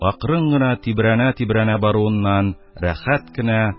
Акрын гына тибрәнә-тибрәнә баруыннан рәхәт кенә,